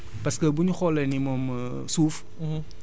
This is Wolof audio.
waaw parce que buñu xoolee ni moom suuf